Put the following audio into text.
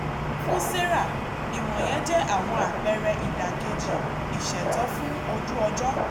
Fún Sarah, ìwọ̀nyẹn jẹ́ àwọn àpẹẹrẹ "ìdàkejì ìṣẹ̀tọ́ fún ojú-ọjọ́".